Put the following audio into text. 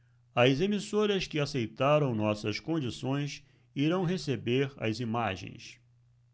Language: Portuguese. as emissoras que aceitaram nossas condições irão receber as imagens